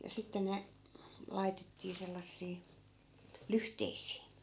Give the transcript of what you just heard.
ja sitten ne laitettiin sellaisiin lyhteisiin